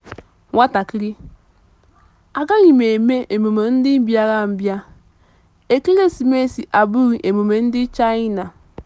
Nwatakịrị: Agaghị m eme emume ndị mbịarambịa, ekeresimesi abụghị emume ndị China.